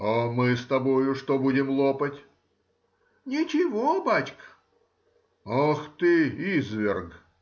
— А мы с тобою что будем лопать? — Ничего, бачка. — Ах ты, изверг!